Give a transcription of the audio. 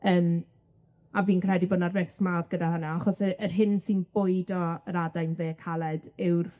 Yym a fi'n credu bo' 'na risg mawr gyda hwnna, achos yy yr hyn sy'n bwydo yr adain dde caled yw'r